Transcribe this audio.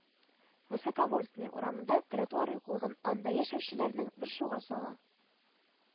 Высоковольтная урамында тротуар юклыгы анда яшәүчеләрне борчуга сала